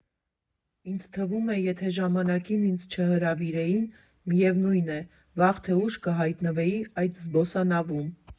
Ինձ թվում է, եթե ժամանակին ինձ չհրավիրեին, միևնույն է, վաղ թե ուշ կհայտնվեի այդ զբոսանավում.